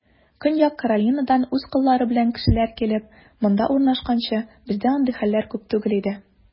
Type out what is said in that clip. Көньяк Каролинадан үз коллары белән кешеләр килеп, монда урнашканчы, бездә андый хәлләр күп түгел иде.